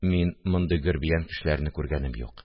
Мин мондый гөрбиян кешеләрне күргәнем юк